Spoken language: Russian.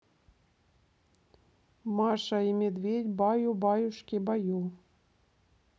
маша и медведь баю баюшки баю